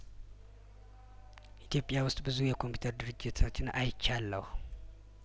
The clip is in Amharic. ኢትዮጵያ ውስጥ ብዙ የኮምፒውተር ድርጅቶችን አይቻለሁ